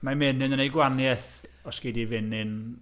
Mae menyn yn wneud gwahaniaeth os gei di fenyn...